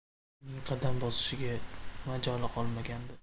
uning qadam bosishga majoli qolmagandi